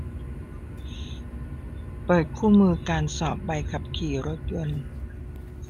เปิดคู่มือการสอบใบขับขี่รถยนต์